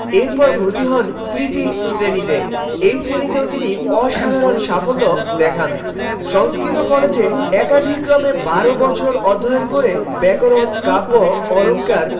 এরপর ভর্তি হন স্মৃতি শ্রেণীতে এই শ্রেণীতে ও তিনি অসাধারণ সাফল্য দেখান সংস্কৃত কলেজ একাধি ক্রমে ১২ বছর অধ্যয়ন করে ব্যাকরণ কাব্য অলংকার